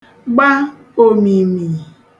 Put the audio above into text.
gba òmìmì